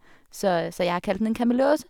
så Så jeg har kalt den en Kamelose.